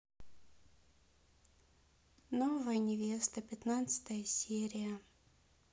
новая невеста пятнадцатая серия